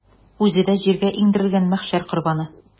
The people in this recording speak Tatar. Үзе дә җиргә иңдерелгән мәхшәр корбаны.